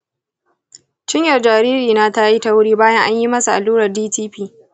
cinyar jaririna ta yi tauri bayan an yi masa allurar dtp.